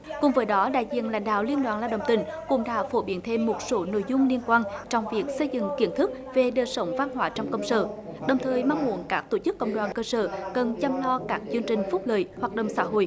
cùng với đó đại diện lãnh đạo liên đoàn lao động tỉnh cũng đã phổ biến thêm một số nội dung liên quan trong việc xây dựng kiến thức về đời sống văn hóa trong công sở đồng thời mong muốn các tổ chức công đoàn cơ sở cần chăm lo các chương trình phúc lợi hoạt động xã hội